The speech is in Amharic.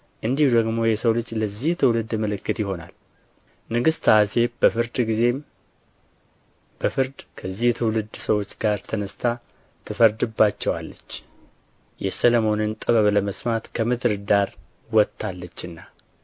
እንዲሁ ደግሞ የሰው ልጅ ለዚህ ትውልድ ምልክት ይሆናል ንግሥተ አዜብ በፍርድ ከዚህ ትውልድ ሰዎች ጋር ተነሥታ ትፈርድባቸዋለች የሰሎሞንን ጥበብ ለመስማት ከምድር ዳር መጥታለችና